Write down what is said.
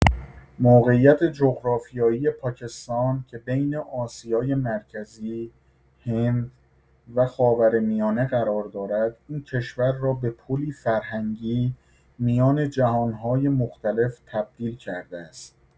موقعیت جغرافیایی پاکستان که بین آسیای مرکزی، هند و خاورمیانه قرار دارد، این کشور را به پلی فرهنگی میان جهان‌های مختلف تبدیل کرده است.